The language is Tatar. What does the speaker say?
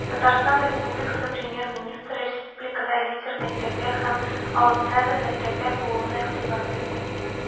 ТР Премьер-министры республикада лидер мәктәпләр һәм аутсайдер мәктәпләр булуына игътибар бирде.